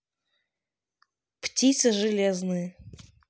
птицы железные